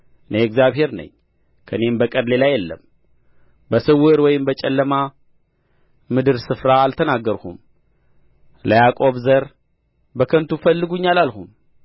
እኔ እግዚአብሔር ነኝ ከእኔም በቀር ሌላ የለም በስውር ወይም በጨለማ ምድር ስፍራ አልተናገርሁም ለያዕቆብ ዘር በከንቱ ፈልጉኝ አላልሁም